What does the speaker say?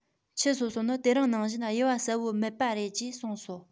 ཁྱུ སོ སོ ནི དེ རིང ནང བཞིན དབྱེ བ གསལ པོ མེད པ རེད ཅེས གསུངས སོ